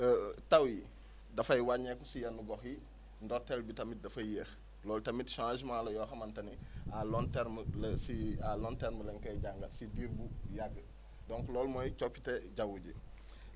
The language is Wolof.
taw yi dafay wàññeeku si yenn gox yi ndorteel bi tamit dafay yéex loolu tamit changement la yoo xamante ni à long terme la si à long terme lañ koy jàngal si diir bu yàgg donc loolu mooy coppite jaww ji